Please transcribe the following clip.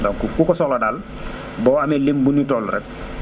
donc ku ko soxla daal boo amee lim bu ni toll rek